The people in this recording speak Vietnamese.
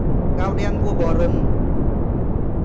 gao đen vua bò rừng